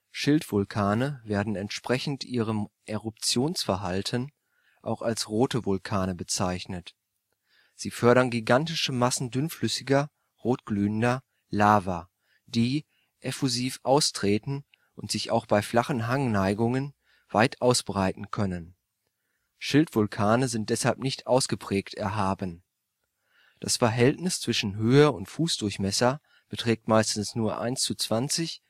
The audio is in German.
Schildvulkane werden entsprechend ihrem Eruptionsverhalten auch als rote Vulkane bezeichnet. Sie fördern gigantische Massen dünnflüssiger (rotglühender) Lava, die effusiv austreten und sich auch bei flachen Hangneigungen weit ausbreiten können. Schildvulkane sind deshalb nicht ausgeprägt erhaben. Das Verhältnis zwischen Höhe und Fußdurchmesser beträgt meistens nur 1:20 bis 1:10